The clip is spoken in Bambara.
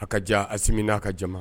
A ka jan as n' aa ka jama